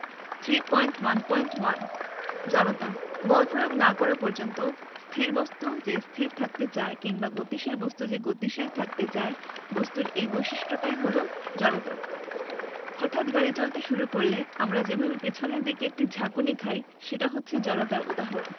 3.1.1 জড়তা বল প্রয়োগ না করা পর্যন্ত স্থির বস্তু যে স্থির থাকতে চায় কিংবা গতিশীল বস্তু যে গতিশীল থাকতে চায় বস্তুর এই বৈশিষ্ট্যটাই হচ্ছে জড়তা হঠাৎ গাড়ি চলতে শুরু করলে আমরা যেভাবে পেছনের দিকে একটা ঝাঁকুনি খাই সেটা হচ্ছে জড়তার উদাহরণ